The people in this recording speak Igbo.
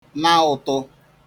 na ụ̀tụ